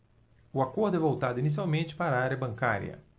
o acordo é voltado inicialmente para a área bancária